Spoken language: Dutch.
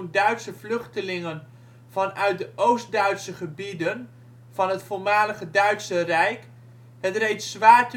Duitse vluchtelingen vanuit de Oost-Duitse gebieden van het voormalige Duitse Rijk het reeds zwaar